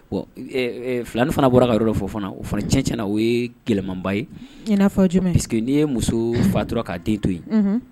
Bon filanin fana bɔra ka yɔrɔ dɔ fɔ fana o fana tiɲɛ-tiɲɛ na o ye gɛlɛmanba ye i n'afɔ jumɛn, puisque ni e muso fatura k'a den to yen, unhun